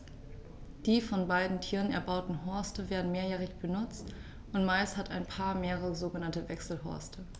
Die von beiden Tieren erbauten Horste werden mehrjährig benutzt, und meist hat ein Paar mehrere sogenannte Wechselhorste.